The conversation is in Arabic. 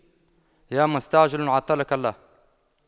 يا مستعجل عطلك الله